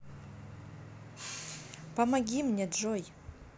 помоги мне джой